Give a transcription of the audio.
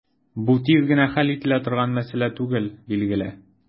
Бу тиз генә хәл ителә торган мәсьәлә түгел, билгеле.